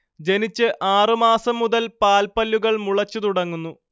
ജനിച്ച് ആറുമാസം മുതൽ പാൽപ്പല്ലുകൾ മുളച്ചുതുടങ്ങുന്നു